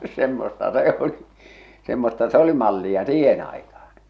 semmoista se oli semmoista se oli mallia siihen aikaan